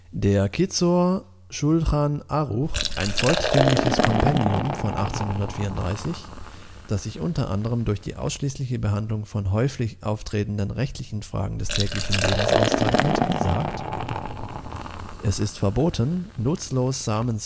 Der Kizzur Schulchan Aruch (ein volkstümliches Kompendium von 1834, das sich u. a. durch die ausschließliche Behandlung von häufig auftretenden rechtlichen Fragen des täglichen Lebens auszeichnet) sagt: Es ist verboten nutzlos Samen